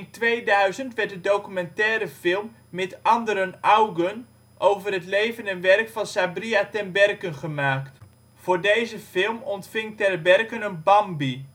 2000 werd de documentairefilm Mit anderen Augen over het leven en werk van Sabriye Tenberken gemaakt. Voor deze film ontving Terberken een Bambi